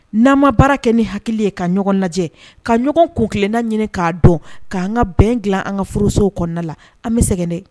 N'an ma baara kɛ ni hakili ye ka ɲɔgɔn lajɛ ka ɲɔgɔn kun kilena ɲini k'a dɔn ka an ŋa bɛn dilan an ŋa furusow kɔnɔna la an bɛ sɛgɛn dɛ